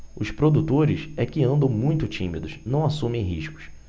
os produtores é que andam muito tímidos não assumem riscos